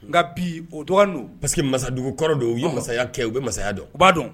Nka bi o dɔgɔnin don parce que masadugu kɔrɔ don u ye masaya kɛ u bɛ masaya dɔn b'a dɔn